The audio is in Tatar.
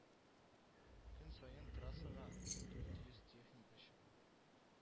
Көн саен трассага дүрт йөз техника чыга